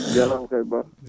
a jarama kayi Ba